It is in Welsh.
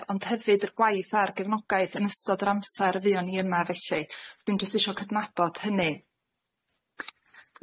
Ond hefyd yr gwaith a'r gefnogaeth yn ystod yr amser fuon ni yma felly, dwi'm jyst isio cydnabod hynny.